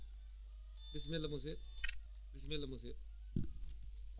bisimilla monsieur bisimilla monsieur